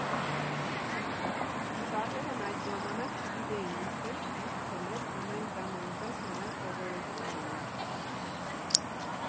Շատերն այդ ժամանակ չգիտեին՝ ինչպես ճիշտ խմել, ու մենք դա նույնպես նրանց սովորեցնում էինք։